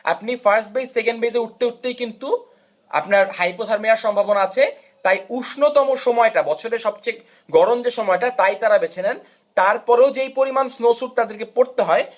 আপনি first base second বেজে উঠতে উঠতেই কিন্তু আপনার হাইপোথারমিয়া সম্ভাবনা আছে তাই উষ্ণতম সময়টা বছরের সবচেয়ে গরম যে সময়টা তাই তারা বেছে নেন তারপরও যে পরিমান স্নো সুট তাদেরকে পড়তে হয়